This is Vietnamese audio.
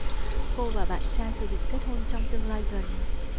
cô và bạn trai dự định kết hôn trong tương lai gần